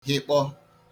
hịkpọ